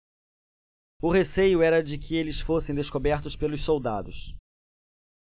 o receio era de que eles fossem descobertos pelos soldados